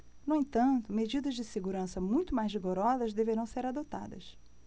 no entanto medidas de segurança muito mais rigorosas deverão ser adotadas